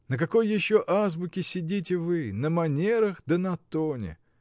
На какой еще азбуке сидите вы: на манерах да на тоне!